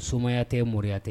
Sumaya tɛ moriya tɛ